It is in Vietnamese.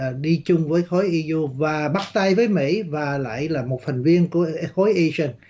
đi chung với khối y u và bắt tay với mỹ và lại là một thành viên của khối ây si ừn